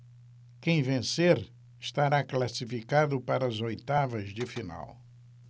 quem vencer estará classificado para as oitavas de final